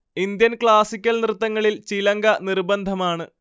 Indian classical നൃത്തങ്ങളിൽ ചിലങ്ക നിർബന്ധമാണ്